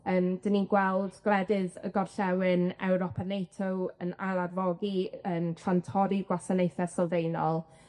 Yym 'dyn ni'n gweld gwledydd y gorllewin Ewrop a NATO yn ail-arfogi yn tra'n torri gwasanaethe sylfaenol